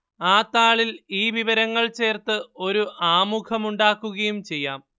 ആ താളിൽ ഈ വിവരങ്ങൾ ചേർത്ത് ഒരു ആമുഖം ഉണ്ടാക്കുകയും ചെയ്യാം